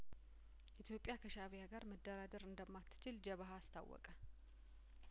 ኢትዮጵያ ከሻእቢያ ጋር መደራደር እንደማትችል ጀበሀ አስታወቀ